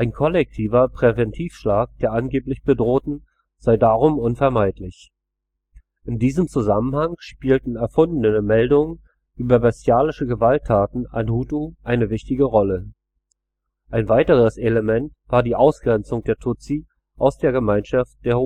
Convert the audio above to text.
kollektiver Präventivschlag der angeblich Bedrohten sei darum unvermeidlich. In diesem Zusammenhang spielten erfundene Meldungen über bestialische Gewalttaten an Hutu eine wichtige Rolle. Ein weiteres Element war die Ausgrenzung der Tutsi aus der Gemeinschaft der